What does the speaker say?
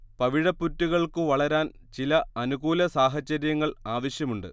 പവിഴപ്പുറ്റുകൾക്കു വളരാൻ ചില അനുകൂല സാഹചര്യങ്ങൾ ആവശ്യമുണ്ട്